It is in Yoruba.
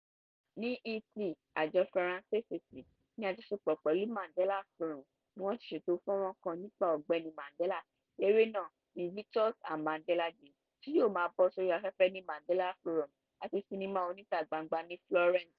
Ní Italy, Àjọ Firenze City, ní àjọṣepọ̀ pẹ̀lú Mandela Forum, ni wọ́n ti ṣètò fọ́nràn kan nípa Ọ̀gbẹ́ni Mandela, eré náà Invictus and Mandela Day, tí yóò máa bọ́ sórí afẹ́fẹ́ ní Mandela Forum àti sinimá oníta gbangba ní Florence.